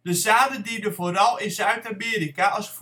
zaden dienen vooral in Zuid-Amerika als